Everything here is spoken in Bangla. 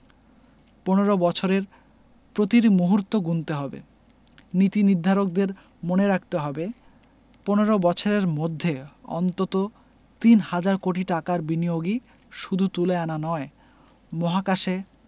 ১৫ বছরের প্রতিটি মুহূর্ত গুনতে হবে নীতিনির্ধারকদের মনে রাখতে হবে ১৫ বছরের মধ্যে অন্তত তিন হাজার কোটি টাকার বিনিয়োগই শুধু তুলে আনা নয় মহাকাশে